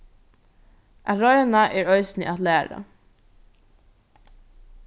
at royna er eisini at læra